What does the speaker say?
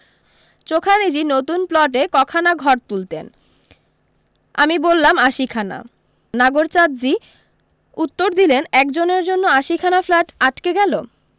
চোখানিজী নতুন প্লটে কখানা ঘর তুলতেন আমি বললাম আশিখানা নাগরচাঁদজী উত্তর দিলেন একজনের জন্য আশিখানা ফ্ল্যাট আটকে গেলো